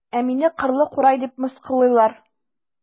Ә мине кырлы курай дип мыскыллыйлар.